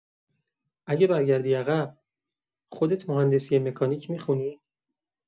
اگه برگردی عقب، خودت مهندسی مکانیک می‌خونی؟